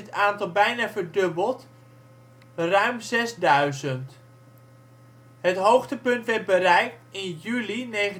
aantal bijna verdubbeld ruim zesduizend. Het hoogtepunt werd bereikt in juli 1944